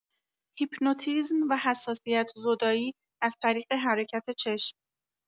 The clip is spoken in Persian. هیپنوتیزم و حساسیت‌زدایی از طریق حرکت چشم